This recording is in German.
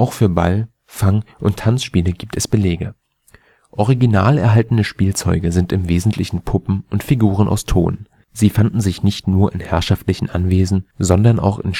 für Ball -, Fang und Tanzspiele gibt es Belege. Original erhaltene Spielzeuge sind im Wesentlichen Puppen und Figuren aus Ton. Sie fanden sich nicht nur in herrschaftlichen Anwesen, sondern auch in